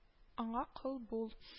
Аңа кол бул